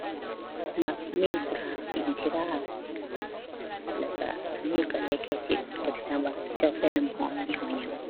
มักมีนตรา อินทิรา แล้วก็ ถ้ามีโอกาสได้ใกล้ชิด ก็สิถามว่าเจ้าก็น้ำหอมยี่ห้อหยัง